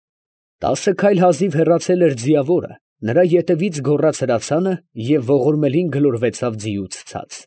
Տասը քայլ հազիվ հեռացել էր ձիավորը, նրա ետևից գոռաց հրացանը և ողորմելին գլորվեցավ ձիուց ցած։